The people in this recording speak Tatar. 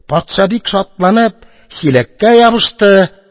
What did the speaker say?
Патша, бик шатланып, чиләккә ябышты